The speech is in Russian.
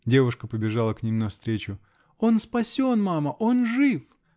Девушка побежала к ним навстречу. -- Он спасен, мама, он жив!